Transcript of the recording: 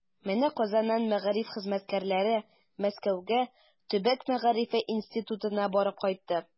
Менә Казаннан мәгариф хезмәткәрләре Мәскәүгә Төбәк мәгарифе институтына барып кайтты.